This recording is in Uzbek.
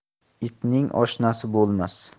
itning oshnasi bo'lmas